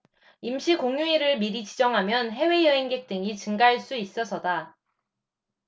임시공휴일을 미리 지정하면 해외 여행객 등이 증가할 수 있어서다